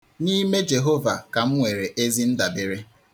N'ime Jehova ka m nwere ezi ndabere.